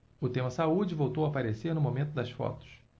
o tema saúde voltou a aparecer no momento das fotos